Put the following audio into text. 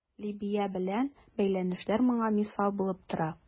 Либия белән бәйләнешләр моңа мисал булып тора.